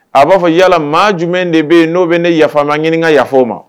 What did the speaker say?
A b'a fɔ yala maa jumɛn de bɛ ne yaafama ɲinika, n ka yaafa o ma